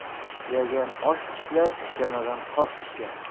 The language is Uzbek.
ishlagan osh tishlar ishlamagan tosh tishlar